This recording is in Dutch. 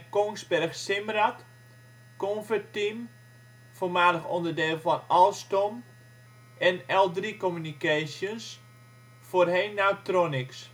Kongsberg Simrad, Converteam - voormalig onderdeel van Alstom - en L-3 Communications (voorheen Nautronix